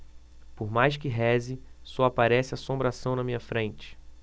por mais que reze só aparece assombração na minha frente